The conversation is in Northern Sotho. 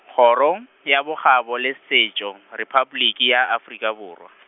Kgoro, ya Bogabo le Setšo, Repabliki ya Afrika Borwa.